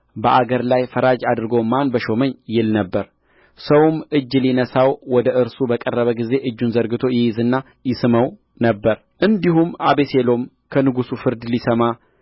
በአገር ላይ ፈራጅ አድርጎ ማን በሾመኝ ይል ነበር ሰውም እጅ ሊነሣው ወደ እርሱ በቀረበ ጊዜ እጁን ዘርግቶ ይይዝና ይስመው ነበር እንዲሁም አቤሴሎም ከንጉሥ ፍርድ ሊሰማ